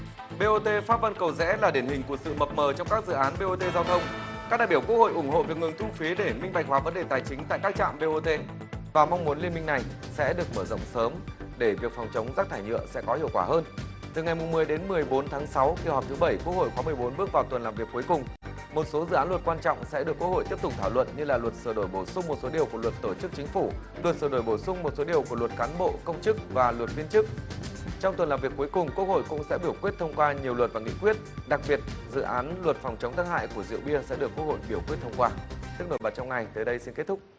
bê ô tê pháp vân cầu giẽ là điển hình của sự mập mờ trong các dự án bê ô tê giao thông các đại biểu quốc hội ủng hộ việc ngừng thu phí để minh bạch hóa vấn đề tài chính tại các trạm bê ô tê và mong muốn liên minh này sẽ được mở rộng sớm để việc phòng chống rác thải nhựa sẽ có hiệu quả hơn từ ngày mùng mười đến mười bốn tháng sáu kỳ họp thứ bảy quốc hội khóa mười bốn bước vào tuần làm việc cuối cùng một số dự án luật quan trọng sẽ được quốc hội tiếp tục thảo luận như là luật sửa đổi bổ sung một số điều của luật tổ chức chính phủ luật sửa đổi bổ sung một số điều của luật cán bộ công chức và luật viên chức trong tuần làm việc cuối cùng quốc hội cũng sẽ biểu quyết thông qua nhiều luật và nghị quyết đặc biệt dự án luật phòng chống tác hại của rượu bia sẽ được quốc hội biểu quyết thông qua nổi bật trong ngày tới đây sẽ kết thúc